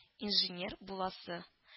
Инженер буласы